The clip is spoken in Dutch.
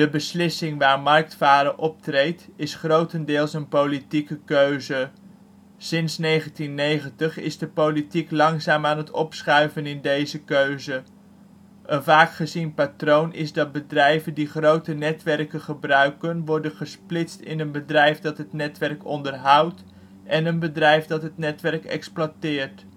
beslissing waar marktfalen optreedt is dus grotendeels een politieke keuze. Sinds 1990 is de politiek langzaam aan het opschuiven in deze keuze. Een vaak gezien patroon is dat bedrijven die grote netwerken gebruiken worden gesplitst in een bedrijf dat het netwerk onderhoud en een bedrijf dat het netwerk exploiteert